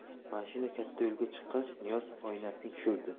mashina katta yo'lga chiqqach niyoz oynakni tushirdi